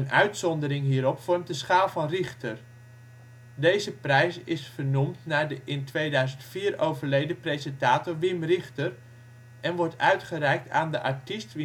uitzondering hierop vormt de Schaal van Rigter. Deze prijs is vernoemd naar de in 2004 overleden presentator Wim Rigter en wordt uitgereikt aan de artiest